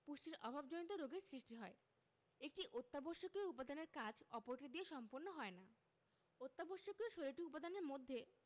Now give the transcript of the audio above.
পুষ্টির অভাবজনিত রোগের সৃষ্টি হয় একটি অত্যাবশ্যকীয় উপাদানের কাজ অপরটি দিয়ে সম্পন্ন হয় না অত্যাবশ্যকীয় ১৬ টি উপাদানের মধ্যে